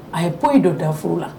A ye koyi dɔ dafu la